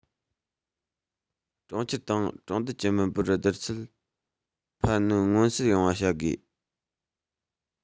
གྲོང ཁྱེར དང གྲོང རྡལ གྱི མི འབོར བསྡུར ཚད འཕར སྣོན མངོན གསལ ཡོང བ བྱ དགོས